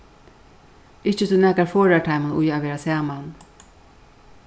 ikki tí nakar forðar teimum í at vera saman